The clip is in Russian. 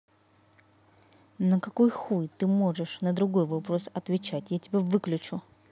на какой хуй ты можешь на другой вопрос отвечать я тебя выключу